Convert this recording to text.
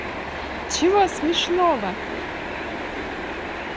чего смешного